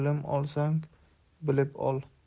bilim olsang bilib ol